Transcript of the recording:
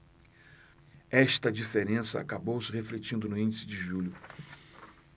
esta diferença acabou se refletindo no índice de julho